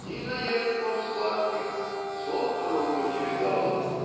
ни наедков сладких отроду не видала".